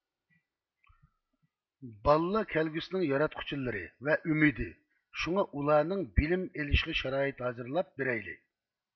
بالىلار كەلگۈسنىڭ ياراتقۇچىلىرى ۋە ئۈمۈدى شۇڭا ئۇلارنىڭ بىلىم ئېلىشىغا شارائىت ھازىرلاپ بېرەيلى